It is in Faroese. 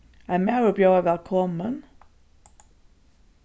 ein maður bjóðaði vælkomin